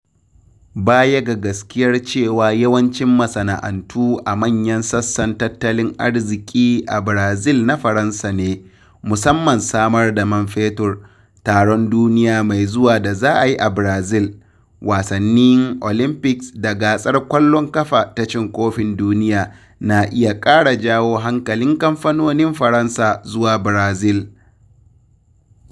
Baya ga gaskiyar cewa yawancin masana'antu a manyan sassan tattalin arziƙi a Barazil na Faransa ne (musamman samar da man fetur), taron duniya mai zuwa da za ayi a Brazil (Wasannin Olympics da Gasar Ƙwallon Ƙafa ta Cin Kofin Duniya) na iya ƙara jawo hankalin kamfanonin Faransa zuwa Barazil.